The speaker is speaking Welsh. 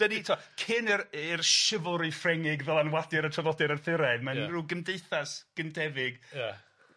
'Dan ni ti'o' cyn i'r i'r chivalry Ffrengig ddylanwadu ar y traddodiad Arthuraidd mae'n rw gymdeithas gyntefig. Ia.